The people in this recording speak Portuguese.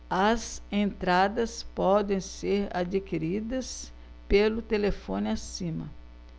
as entradas podem ser adquiridas pelo telefone acima